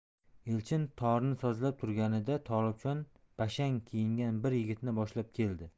elchin torni sozlab turganida tolibjon bashang kiyingan bir yigitni boshlab keldi